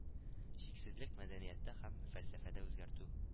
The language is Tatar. Чиксезлек мәдәнияттә һәм фәлсәфәдә үзгәртү